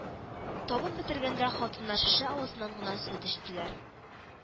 Табын бетергәндә, хатыннар шешә авызыннан гына сөт эчтеләр